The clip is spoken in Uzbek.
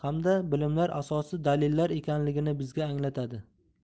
hamda bilimlar asosi dalillar ekanligini bizga anglatadi